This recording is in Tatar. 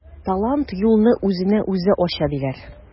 Талант юлны үзенә үзе ача диләр.